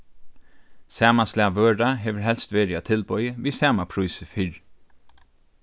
sama slag vøra hevur helst verið á tilboði við sama prísi fyrr